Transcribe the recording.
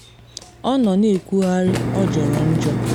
Ọ nọ na ekwugharị “ọ jọrọ njọ’.